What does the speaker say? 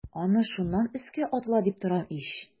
Аны шуннан өскә атыла дип торам ич.